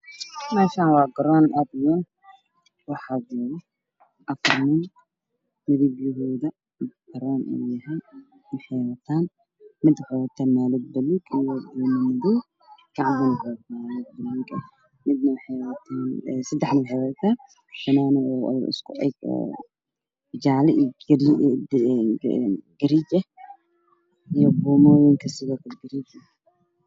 Meeshaan waa garoon waxaa jooga wiil rabaan banooni uu almiteenayaan wuxuu qabaa naanad murug ah gacanta ayey ku hayaa wax buluug ah ka dambeeye wuxuu qabaa fanaanada jaalle iyo madax isku jiro